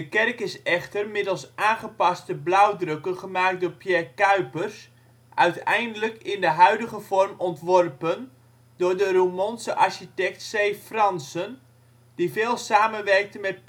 kerk is echter middels aangepaste blauwdrukken gemaakt door Pierre Cuypers uiteindelijk in de huidige vorm ontworpen door de Roermondse architect C. Franssen die veel samenwerkte met